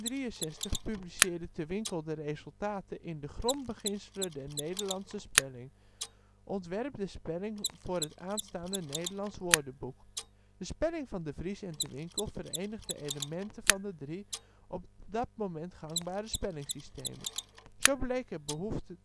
1863 publiceerde Te Winkel de resultaten in De grondbeginselen der Nederlandsche spelling. Ontwerp der spelling voor het aanstaande Nederlandsch Woordenboek. De spelling van De Vries en Te Winkel verenigde elementen van de drie op dat moment gangbare spellingsystemen. Ze bleek in een behoefte te